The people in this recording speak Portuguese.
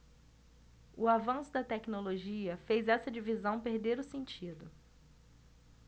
o avanço da tecnologia fez esta divisão perder o sentido